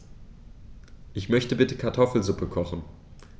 Ich möchte bitte Kartoffelsuppe kochen.